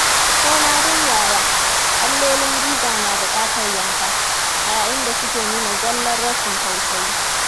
Ko ma dai yaya, allolin biza na buƙatar yanka, a yayin da su ke nuna zallar rashin tausayi.